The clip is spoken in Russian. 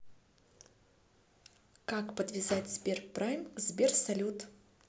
как подвязать сберпрайм к сбер салют